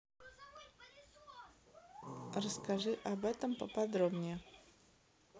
расскажи об этом поподробнее